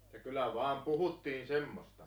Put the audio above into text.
mutta kyllä vain puhuttiin semmoista